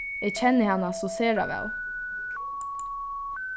eg kenni hana so sera væl